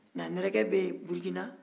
nandɛrɛkɛ bɛ burukina